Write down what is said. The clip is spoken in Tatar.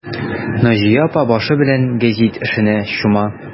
Наҗия апа башы белән гәзит эшенә чума.